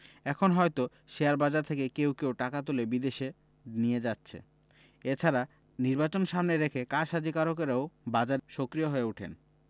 এখন হয়তো শেয়ারবাজার থেকে কেউ কেউ টাকা তুলে বিদেশে নিয়ে যাচ্ছে এ ছাড়া নির্বাচন সামনে রেখে কারসাজিকারকেরাও বাজার সক্রিয় হয়ে ওঠেন